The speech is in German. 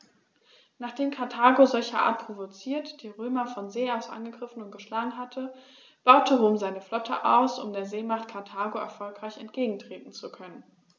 Nachdem Karthago, solcherart provoziert, die Römer von See aus angegriffen und geschlagen hatte, baute Rom seine Flotte aus, um der Seemacht Karthago erfolgreich entgegentreten zu können.